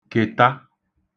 -kèta